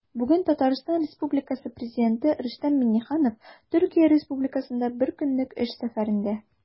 Бүген Татарстан Республикасы Президенты Рөстәм Миңнеханов Төркия Республикасында бер көнлек эш сәфәрендә.